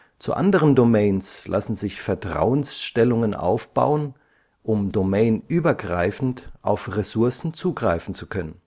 Zu anderen Domains lassen sich Vertrauensstellungen aufbauen, um domainübergreifend auf Ressourcen zugreifen zu können